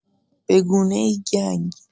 به‌گونه‌ای گنگ